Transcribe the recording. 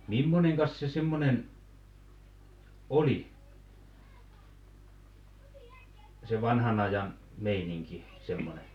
mimmoinenkas se semmoinen oli se vanhan ajan meininki semmoinen